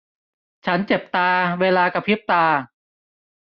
ฉันเจ็บตาเวลากระพริบตา